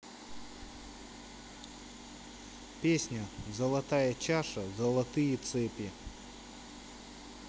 песня золотая чаша золотые цепи